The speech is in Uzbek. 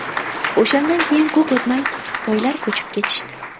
o'shandan keyin ko'p o'tmay toylar ko'chib ketishdi